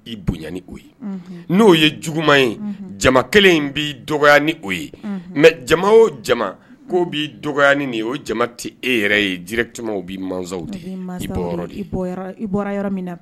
I bo ye n'o ye jugu ye jama kelen bɛ dɔgɔ ni ye mɛ jama o jama ko b dɔgɔyaani nin ye o jama tɛ e yɛrɛ ye jiritumaw bɛzɔnw de ye i yɔrɔ